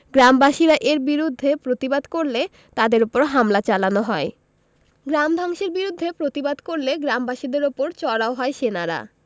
গ্রামবাসীরা এর বিরুদ্ধে প্রতিবাদ করলে তাদের ওপর হামলা চালানো হয় গ্রাম ধ্বংসের বিরুদ্ধে প্রতিবাদ করলে গ্রামবাসীদের ওপর চড়াও হয় সেনারা